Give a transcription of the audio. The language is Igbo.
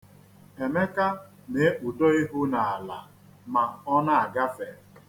Emeka na-ekpudo ihu n'ala ma ọ na-agafe.